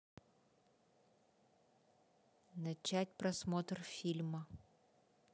начать просмотр фильма